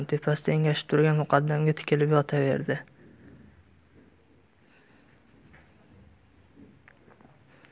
tepasida engashib turgan muqaddamga tikilib yotaverdi